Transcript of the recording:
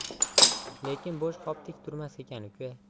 lekin bo'sh qop tik turmas ekan uka